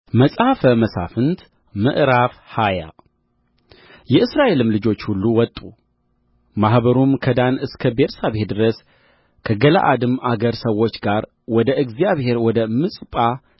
መጽሐፈ መሣፍንት ምዕራፍ ሃያ የእስራኤልም ልጆች ሁሉ ወጡ ማኅበሩም ከዳን እስከ ቤርሳቤህ ድረስ ከገለዓድም አገር ሰዎች ጋር ወደ እግዚአብሔር ወደ ምጽጳ